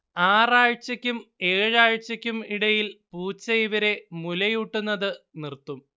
ആറ് ആഴ്ചയ്ക്കും ഏഴ് ആഴ്ചയ്ക്കും ഇടയിൽ പൂച്ച ഇവരെ മുലയൂട്ടുന്നത് നിർത്തും